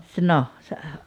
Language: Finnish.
se no se